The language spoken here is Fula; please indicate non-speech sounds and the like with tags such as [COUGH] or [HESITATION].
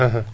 [HESITATION] [HESITATION]